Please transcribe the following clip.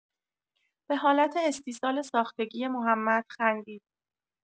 به حالت استیصال ساختگی محمد خندید.